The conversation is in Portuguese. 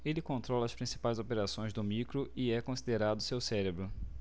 ele controla as principais operações do micro e é considerado seu cérebro